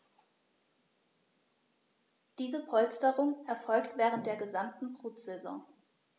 Diese Polsterung erfolgt während der gesamten Brutsaison.